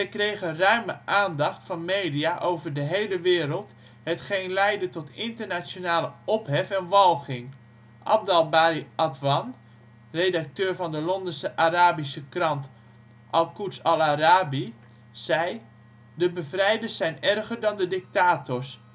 kregen ruime aandacht van media over de hele wereld, hetgeen leidde tot internationale ophef en walging. Abdel-Bari Atwan, redacteur van de Londense Arabische krant Al Quds Al Arabi, zei " De bevrijders zijn erger dan de dictators